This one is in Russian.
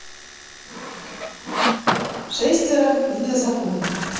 шестеро вне закона